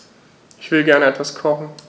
Ich will gerne etwas kochen.